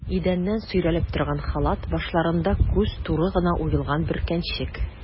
Идәннән сөйрәлеп торган халат, башларында күз туры гына уелган бөркәнчек.